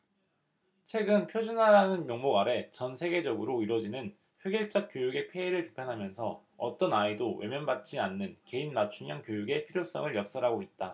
책은 표준화라는 명목 아래 전세계적으로 이뤄지는 획일적 교육의 폐해를 비판하면서 어떤 아이도 외면 받지 않는 개인 맞춤형 교육의 필요성을 역설하고 있다